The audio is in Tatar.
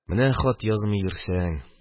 Менә хат язмый йөрсәң